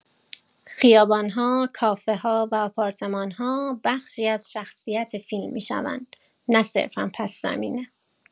خیابان‌ها، کافه‌ها و آپارتمان‌ها بخشی از شخصیت فیلم می‌شوند، نه صرفا پس‌زمینه.